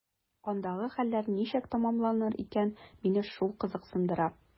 Андагы хәлләр ничек тәмамланыр икән – мине шул кызыксындыра.